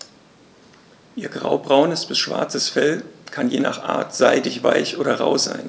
Ihr graubraunes bis schwarzes Fell kann je nach Art seidig-weich oder rau sein.